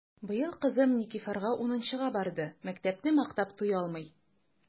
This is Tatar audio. Быел кызым Никифарга унынчыга барды— мәктәпне мактап туялмый!